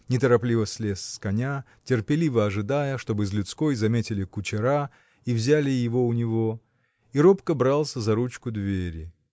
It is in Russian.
неторопливо слез с коня, терпеливо ожидая, чтоб из людской заметили кучера и взяли его у него, и робко брался за ручку двери.